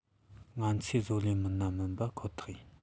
ང ཚོའི ལས བཟོ མི སྣ མིན པ ཁོ ཐག བཅད ཡིན